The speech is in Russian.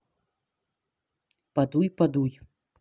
подуй подуй